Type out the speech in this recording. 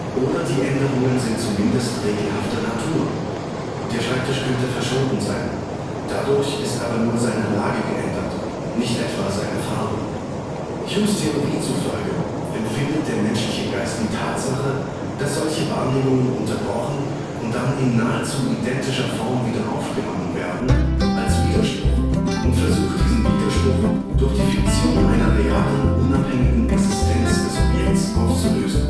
oder die Änderungen sind zumindest regelhafter Natur (der Schreibtisch könnte verschoben sein, dadurch ist aber nur seine Lage geändert, nicht etwa seine Farbe). Humes Theorie zufolge empfindet der menschliche Geist die Tatsache, dass solche Wahrnehmungen unterbrochen und dann in nahezu identischer Form wieder aufgenommen werden, als Widerspruch und versucht diesen Widerspruch durch die Fiktion einer realen unabhängigen Existenz des Objekts aufzulösen